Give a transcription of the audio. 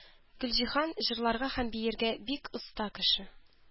Гөлҗиһан җырларга һәм биергә бик оста кеше.